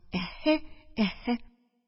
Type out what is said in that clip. Эһе-эһе.